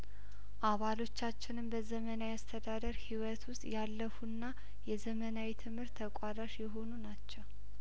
አባሎቻችንም በዘመናዊ አስተዳደር ህይወት ውስጥ ያለፉና የዘመናዊ ትምህርት ተቋዳሽ የሆኑ ናቸው